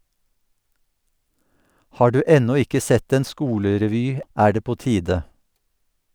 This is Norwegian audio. Har du ennå ikke sett en skolerevy, er det på tide.